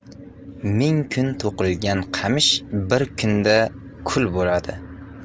ming kun to'qilgan qamish bir kunda kul bo'ladi